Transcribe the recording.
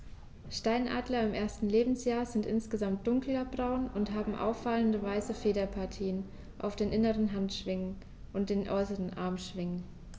Steinadler im ersten Lebensjahr sind insgesamt dunkler braun und haben auffallende, weiße Federpartien auf den inneren Handschwingen und den äußeren Armschwingen.